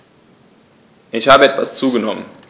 Ich habe etwas zugenommen